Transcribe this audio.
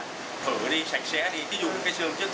thử đi sạch sẽ đi ví dụ cái xương trước